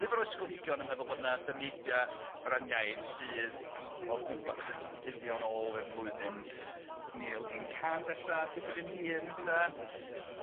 ...nifer o ysgolheigion yn meddwl bod 'na dameidia' o ran iaith sydd o gwb- yn dyddio nôl i'r flwyddyn mil un cant ella dipyn yn hŷn de?